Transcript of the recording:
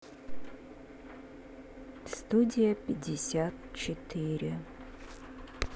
студия пятьдесят четыре